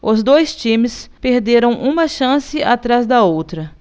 os dois times perderam uma chance atrás da outra